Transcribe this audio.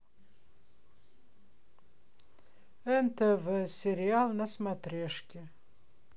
нтв сериал на смотрешке